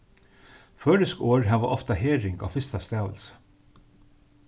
føroysk orð hava ofta herðing á fyrsta stavilsi